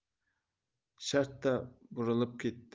shartta burilib ketdi